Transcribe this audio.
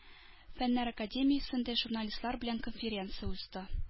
Фәннәр академиясендә журналистлар белән конференция узды.